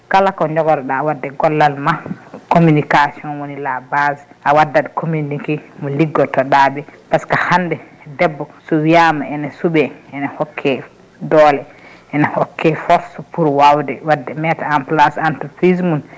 kala ko jogorɗa wadde gollal ma communication woni la base a waddat communiqué mo liggodtoɗaɓe par ce que hande debbo so wiyama ene cuuɓe ene hokke doole ene hokke force pour wawde wadde mettre en place entreprise mum